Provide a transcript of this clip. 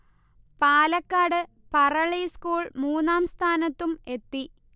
Palakkad Parali school മൂന്നാം സ്ഥാനത്തും എത്തി